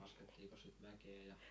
laskettiinkos sitä mäkeä ja